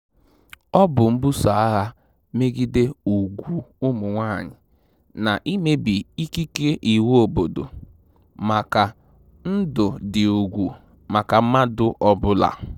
Ọ bụ mbuso agha megide ùgwù ụmụ nwaanyị na imebi ikike iwu obodo maka ndụ dị ùgwù maka mmadụ ọ bụla.